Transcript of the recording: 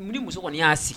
Ni muso kɔni y'a sigi